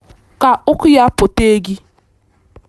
Ka oku ya kpote gị!